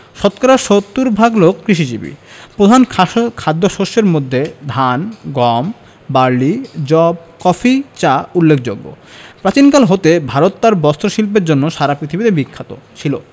শতকরা ৭০ ভাগ লোক কৃষিজীবী প্রধান খাদ্যশস্যের মধ্যে ধান গম বার্লি যব কফি চা উল্লেখযোগ্যপ্রাচীনকাল হতে ভারত তার বস্ত্রশিল্পের জন্য সারা পৃথিবীতে বিখ্যাত ছিল